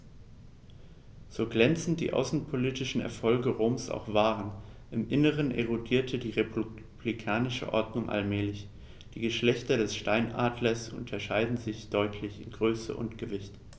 So glänzend die außenpolitischen Erfolge Roms auch waren: Im Inneren erodierte die republikanische Ordnung allmählich. Die Geschlechter des Steinadlers unterscheiden sich deutlich in Größe und Gewicht.